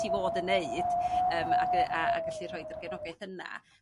ti fod yn 'neud yym ag y a ag gallu rhoid y gefnogaeth yna